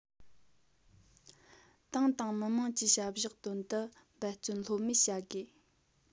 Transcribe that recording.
ཏང དང མི དམངས ཀྱི བྱ གཞག དོན དུ འབད བརྩོན ལྷོད མེད བྱ དགོས